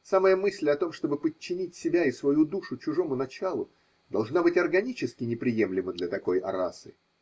Самая мысль о том, чтобы подчинить себя и свою душу чужому началу, должна быть органически неприемлема для такой расы.